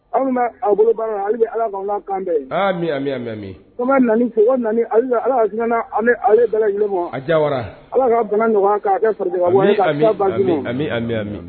Aw bɛ aw bolo baara la hali ni ala kanbɛn ni ami mɛnmi ko ma fo ala bɛ yɛlɛmama a jawa ala ka bana ɲɔgɔn kan kɛ a mimi